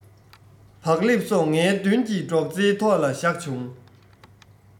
བག ལེབ སོགས ངའི མདུན གྱི སྒྲོག ཙེའི ཐོག ལ བཞག བྱུང